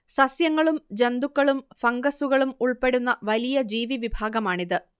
സസ്യങ്ങളും ജന്തുക്കളും ഫംഗസ്സുകളും ഉൾപ്പെടുന്ന വലിയ ജീവിവിഭാഗമാണിത്